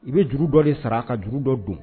I bɛ juru dɔ de sara a ka juru dɔ don